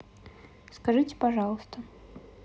скажите пожалуйста